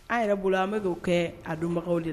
An yɛrɛ bolo an bɛ'o kɛ a donbagaw de la